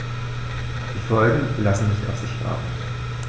Die Folgen lassen nicht auf sich warten.